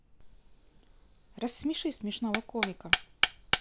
рассмеши смешного комика